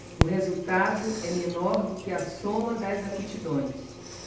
o resultado é menor do que a soma das aptidões